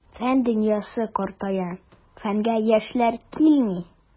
Фән дөньясы картая, фәнгә яшьләр килми.